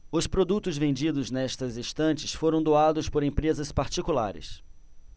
os produtos vendidos nestas estantes foram doados por empresas particulares